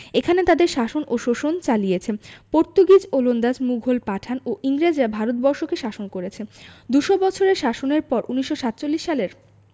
এখানে তাদের শাসন ও শোষণ চালিয়েছে পর্তুগিজ ওলন্দাজ মুঘল পাঠান ও ইংরেজরা ভারত বর্ষকে শাসন করেছে দু'শ বছরের শাসনের পর ১৯৪৭ সালের